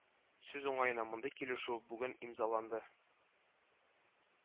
Сүз уңаена, мондый килешү бүген имзаланды